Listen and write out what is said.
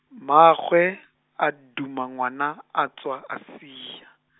mmaagwe , a duma ngwana, a tswa, a sia.